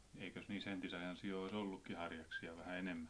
eikös niissä entisajan sioissa ollutkin harjaksia vähän enemmän